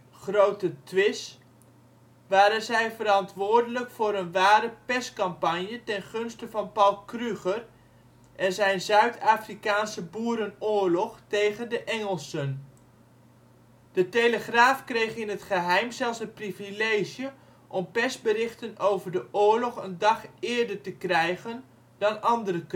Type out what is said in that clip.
Grothe-Twiss waren zij verantwoordelijk voor een ware perscampagne ten gunste van Paul Kruger en zijn Zuid-Afrikaanse Boerenoorlog tegen de Engelsen. De Telegraaf kreeg in het geheim zelfs het privilege om persberichten over de oorlog een dag eerder te krijgen dan andere kranten